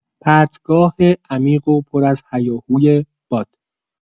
پرتگاه عمیق و پر از هیاهوی باد